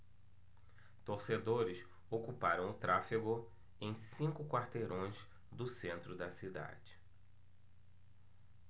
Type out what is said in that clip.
torcedores ocuparam o tráfego em cinco quarteirões do centro da cidade